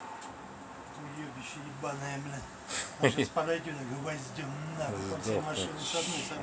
сдохнуть шмары